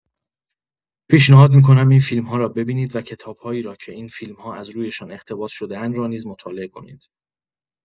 پیشنهاد می‌کنم این فیلم‌ها را ببینید و کتاب‌هایی را که این فیلم‌ها از رویشان اقتباس شده‌اند را نیز مطالعه کنید.